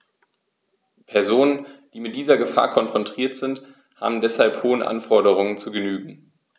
Personen, die mit dieser Gefahr konfrontiert sind, haben deshalb hohen Anforderungen zu genügen.